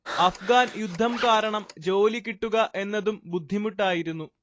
അഫ്ഗാൻ യുദ്ധം കാരണം ജോലി കിട്ടുക എന്നതും ബുദ്ധിമുട്ടായിരുന്നു